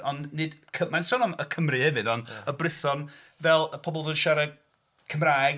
Ond nid C-... mae'n sôn am y Cymru hefyd ond y Brython fel y pobl oedd yn siarad Cymraeg...